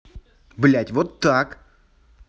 блять вот так